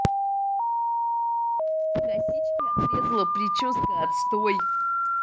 косички отрезала прическа отстой